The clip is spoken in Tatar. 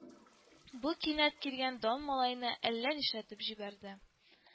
Бу кинәт килгән дан малайны әллә нишләтеп җибәрде